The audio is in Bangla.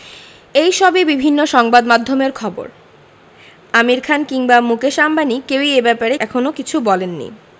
এই সবই বিভিন্ন সংবাদমাধ্যমের খবর আমির খান কিংবা মুকেশ আম্বানি কেউই এ ব্যাপারে এখনো কিছু বলেননি